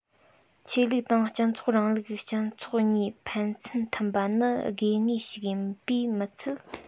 ཆོས ལུགས དང སྤྱི ཚོགས རིང ལུགས སྤྱི ཚོགས གཉིས ཕན ཚུན མཐུན པ ནི དགོས ངེས ཤིག ཡིན པས མི ཚད